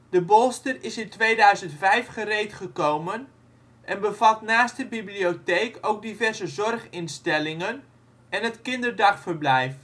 de Bolster. De Bolster is in 2005 gereedgekomen en bevat naast de bibliotheek ook diverse zorginstellingen en het kinderdagverblijf